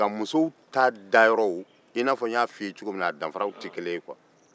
muso ta danfaraw tɛ kelen ye